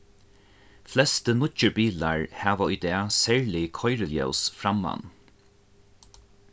flestu nýggir bilar hava í dag serlig koyriljós framman